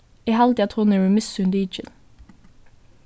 eg haldi at hon hevur mist sín lykil